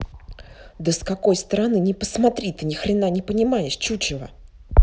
да с какой стороны ни посмотри ты нихрена не понимаешь чучело